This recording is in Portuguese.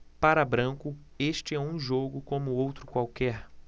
para branco este é um jogo como outro qualquer